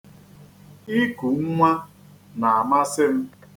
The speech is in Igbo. Iku nnwa na-amasị m.